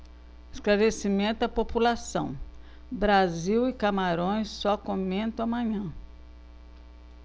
esclarecimento à população brasil e camarões só comento amanhã